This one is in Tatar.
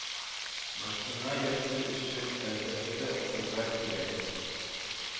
Машина йөртү өчен, әлбәттә, укырга кирәк